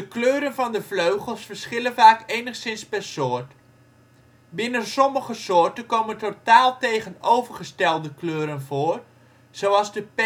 kleuren van de vleugels verschillen vaak enigszins per soort. Binnen sommige soorten komen totaal tegenovergestelde kleuren voor zoals de peper-en-zoutvlinder